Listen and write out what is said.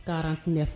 karantnɛf